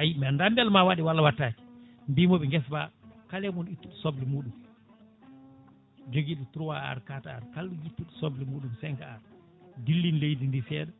ayi mi anda beel ma waɗe walla wattake mbimomi guesa ba kalay moon ittuɗo soble muɗum joguiɗo trois ar quatre ar kala guittuɗo soble muɗum cinq ar dillin leydi ndi seeɗa